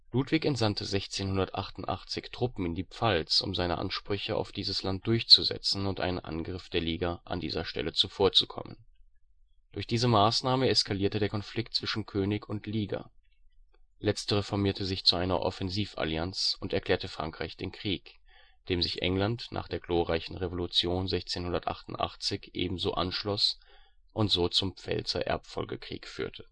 Ludwig entsandte 1688 Truppen in die Pfalz um seine Ansprüche auf dieses Land durchzusetzen und einem Angriff der Liga an dieser Stelle zuvorzukommen. Durch diese Maßnahme eskalierte der Konflikt zwischen König und Liga. Letztere formierte sich zu einer Offensivallianz und erklärte Frankreich den Krieg, dem sich England nach der Glorreichen Revolution 1688 ebenso anschloss und so zum Pfälzer Erbfolgekrieg führte